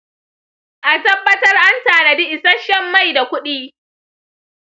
a tabbatar an tanadi isasshen mai da kuɗi.